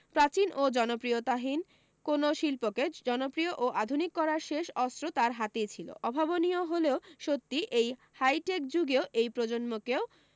প্রাচীন ও জনপ্রিয়তাহীন কোনও শিল্পকে জনপ্রিয় ও আধুনিক করার শেষ অস্ত্র তার হাতেই ছিল অভাবনীয় হলেও সত্যি এই হাইটেক যুগেও এই প্রজন্মকেও